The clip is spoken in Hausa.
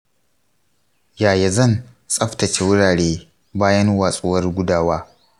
yaya zan tsaftace wurare bayan watsuwar gudawa?